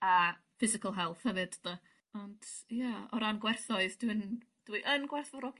a physical health hefyd 'de? Ond ia o ran gwerthoedd dwi'n dwi yn gwerthfawrogi